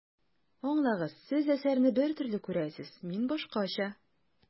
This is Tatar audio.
Аңлагыз, Сез әсәрне бер төрле күрәсез, мин башкача.